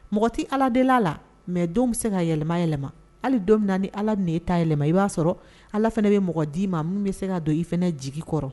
Mɔgɔ t ala delila la mɛ don bɛ se ka yɛlɛma yɛlɛma hali donmin na ni ala min e ta yɛlɛma i b'a sɔrɔ ala fana bɛ mɔgɔ d'i ma minnu bɛ se ka don i fana jigi kɔrɔ